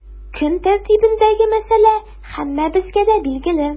Көн тәртибендәге мәсьәлә һәммәбезгә дә билгеле.